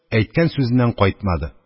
Әйткән сүзеннән кайтмады